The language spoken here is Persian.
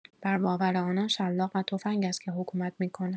بر باور آنان شلاق و تفنگ است که حکومت می‌کند!